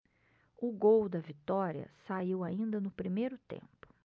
o gol da vitória saiu ainda no primeiro tempo